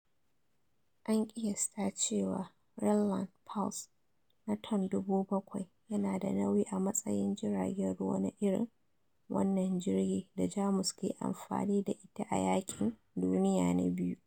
An kiyasta cewa "Rheinland-Pfalz" na ton 7,000 "yana da nauyi a matsayin jiragen ruwa na irin wannan jirgi da Jamus ke amfani da ita a yakin duniya na biyu.